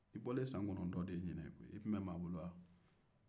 i bɔlen san 9 konɔtɔn de ye ɲinan ye i tun bɛ maa bolo wa